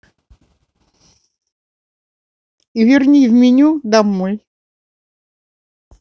верни в меню домой